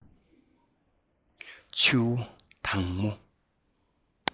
ཆུ བོ དྭངས མོ